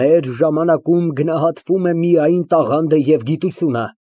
Մեր ժամանակում գնահատվում է միայն տաղանդը և գիտությունը։